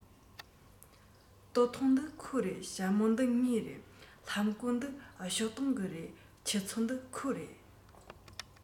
སྟོད ཐུང འདི ཁོའི རེད ཞྭ མོ འདི ངའི རེད ལྷམ གོག འདི ཞའོ ཏིང གི རེད ཆུ ཚོད འདི ཁོའི རེད